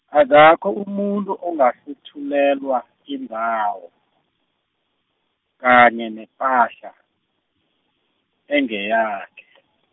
akakho umuntu ongahluthulelwa, indawo, kanye nepahla, engeyakhe .